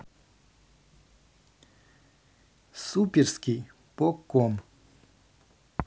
суперский по ком